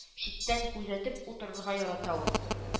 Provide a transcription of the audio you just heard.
Читтән күзәтеп утырырга ярата ул